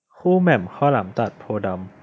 คู่แหม่มข้าวหลามตัดโพธิ์ดำ